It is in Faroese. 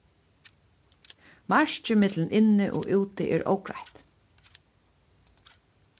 markið millum inni og úti er ógreitt